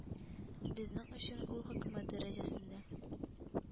Безнең өчен ул хөкүмәт дәрәҗәсендә